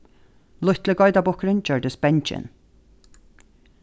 lítli geitarbukkurin gjørdist bangin